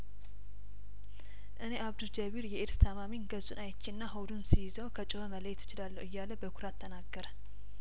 እኔ አብዱ ጀቢር የኤድስ ታማሚን ገጹን አይቼና ሆዱን ስይዘው ከጮኸ መለየት እችላለሁ እያለበኩራት ተናገረ